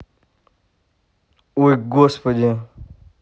ой господи